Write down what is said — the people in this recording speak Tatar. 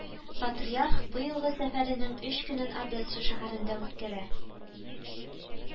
Патриарх быелгы сәфәренең өч көнен Одесса шәһәрендә үткәрә